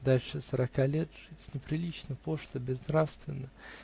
Дальше сорока лет жить неприлично, пошло, безнравственно!